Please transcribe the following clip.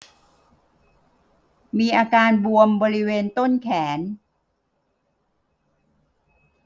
มีอาการบวมบริเวณต้นแขน